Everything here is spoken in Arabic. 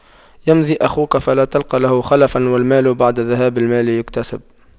يمضي أخوك فلا تلقى له خلفا والمال بعد ذهاب المال يكتسب